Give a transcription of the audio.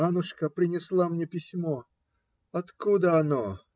Аннушка принесла мне письмо. Откуда оно?